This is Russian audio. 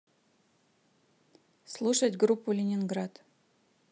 слушать группу ленинград